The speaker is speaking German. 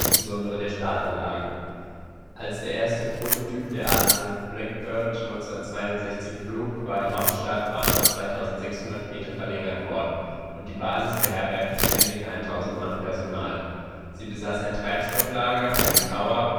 besonders der Startbahnen) am Groom Lake. Als der erste Prototyp der A-12 Blackbird 1962 flog, war die Hauptstartbahn auf 2.600 m verlängert worden, und die Basis beherbergte ständig 1.000 Mann Personal. Sie besaß ein Treibstofflager, einen Tower